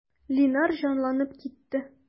Линар җанланып китте.